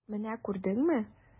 Менә күрдеңме!